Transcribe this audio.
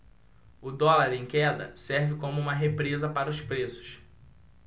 o dólar em queda serve como uma represa para os preços